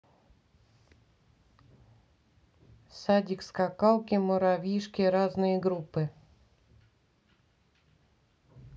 садик скакалки муравьишки разные группы